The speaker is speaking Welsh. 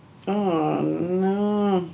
O na.